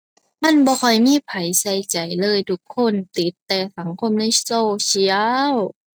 มันบ่ค่อยมีไผใส่ใจเลย ทุกคนติดแต่สังคมในโซเชียล